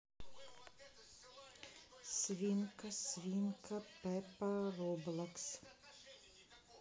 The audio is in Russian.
свинка свинка пеппа роблокс